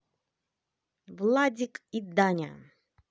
владик и даня